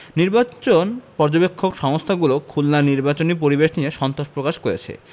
নির্বাচন পর্যবেক্ষক সংস্থাগুলো খুলনার নির্বাচনী পরিবেশ নিয়ে সন্তোষ প্রকাশ করেছে